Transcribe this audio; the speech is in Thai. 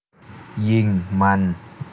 ยิงมัน